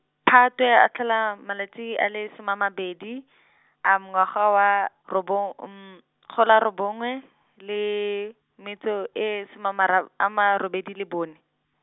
Phatwe a tlhola malatsi a le some a mabedi , ngwaga wa, robo- kgolo a robongwe, le, metso e soma a mar- ama robedi le bone.